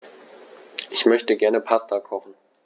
Ich möchte gerne Pasta kochen.